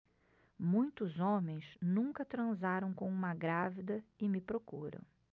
muitos homens nunca transaram com uma grávida e me procuram